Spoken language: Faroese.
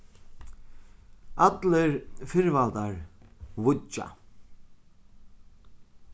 allir firvaldar víggja